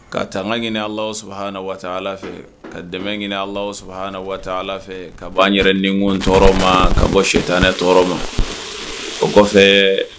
Ka taaga hinɛ a la sabaha na waa ala fɛ ka dɛmɛ hinɛ a laha na waa ala fɛ ka' an yɛrɛ nikun tɔɔrɔ ma ka bɔ sɛ tanɛ tɔɔrɔ ma o kɔfɛ